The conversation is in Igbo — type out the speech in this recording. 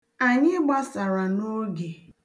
Anyị gbasara n'oge.